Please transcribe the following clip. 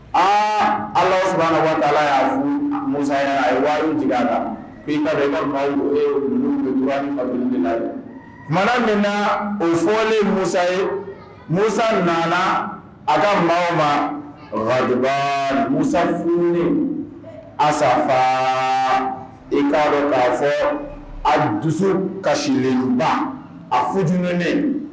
Aa ala waati mu ye wa jigin la tuma min na o fɔlen musa ye musa nana a ka mɔgɔw ma oduba musa fun a sa fa i ka dɔn k'a fɔ a dusu kasilenduba a futunlen